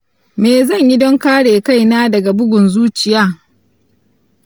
me zan yi don kare kaina daga bugun zuciya?